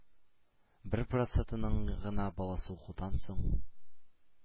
Бер процентының гына баласы укудан соң